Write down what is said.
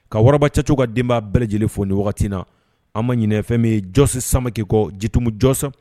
Ka wararaba caco ka denbaya bɛɛ lajɛlen fo ni wagati in na, an ma ɲinɛ fɛn min ye Jɔsi Samake ye, Jitumu Jɔsi.